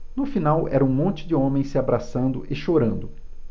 no final era um monte de homens se abraçando e chorando